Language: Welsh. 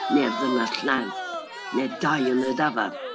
Neu'r ddynes llnau, neu Dai yn y dafarn.